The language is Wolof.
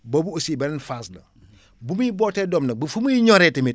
boobu aussi beneen phase la bu muy bootee doom nag ba fu muy ñoree tamit